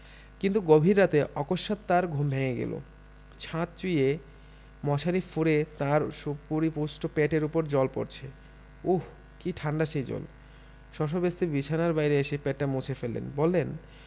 কিন্তু গভীর রাতে অকস্মাৎ তাঁর ঘুম ভেঙ্গে গেল ছাদ চুঁইয়ে মশারি ফুঁড়ে তাঁর সুপরিপুষ্ট পেটের উপর জল পড়চে উঃ কি ঠাণ্ডা সে জল শশব্যস্তে বিছানার বাইরে এসে পেটটা মুছে ফেললেন বললেন